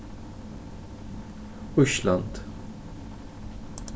ísland